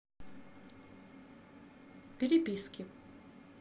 переписки